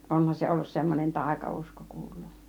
onhan se ollut semmoinen taikausko kuuluu